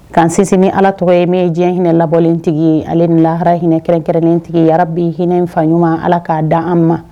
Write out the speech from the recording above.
Kan sinsin ni ala tɔgɔ ye min ye diɲɛ hinɛ labɔlentigi ye ale ni lahara hinɛ kɛrɛnkɛrɛnnentigi abi hinɛfa ɲuman ala k'a dan an ma